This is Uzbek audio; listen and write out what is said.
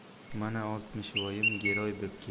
mana oltmishvoyim giroy bo'p keldi